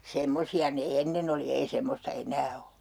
semmoisia ne ennen oli ei semmoista enää ole